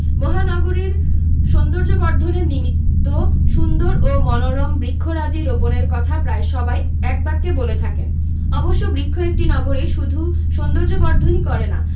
মহানগরীর সৌন্দর্যবর্ধনের নিমিত্ত সুন্দর ও মনোরম বৃক্ষরাজি রোপণের কথা প্রায় সবাই একবাক্যে বলে থাকেন অবশ্য বৃক্ষ একটি নগরীর শুধু সৌন্দর্যবর্ধনই করে না